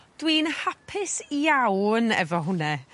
Dwi'n hapus iawn efo hwnne